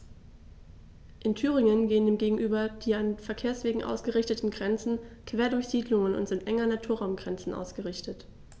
In Thüringen gehen dem gegenüber die an Verkehrswegen ausgerichteten Grenzen quer durch Siedlungen und sind eng an Naturraumgrenzen ausgerichtet.